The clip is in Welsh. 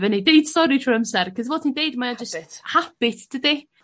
fyny deud sori trw'r amsar 'c'os fel ti'n deud mae o jyst... habit ...habit tydi?